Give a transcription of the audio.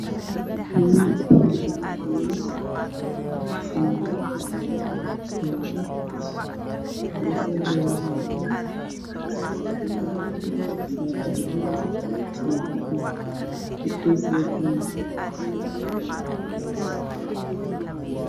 Waa niman meel fadhiya kuwa soo horreeyo waxay akhrinayaan kitaab qur-aan kuwo ka dambeeya mombela ayaa kiisanayaan qarsoon ay qabaan